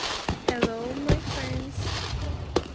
hello my friends